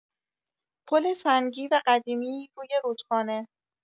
پل سنگی و قدیمی روی رودخانه